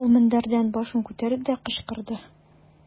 Ул мендәрдән башын күтәрде дә, кычкырды.